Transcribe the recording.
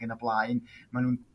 yn y blaen ma' n'w'n